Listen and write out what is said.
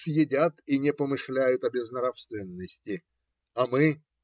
Съедят - и не помышляют о безнравственности, а мы?